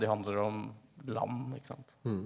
de handler om land ikke sant.